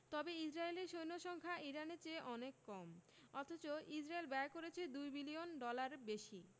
তবে ইসরায়েলের সৈন্য সংখ্যা ইরানের চেয়ে অনেক কম অথচ ইসরায়েল ব্যয় করছে ২ মিলিয়ন ডলার বেশি